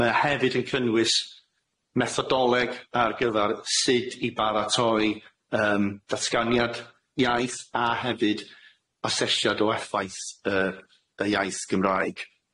Mae o hefyd yn cynnwys methodoleg ar gyfar sud i baratoi yym ddatganiad iaith a hefyd asesiad o effaith yy y iaith Gymraeg.